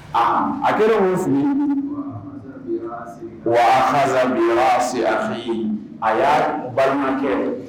a y'a balimakɛ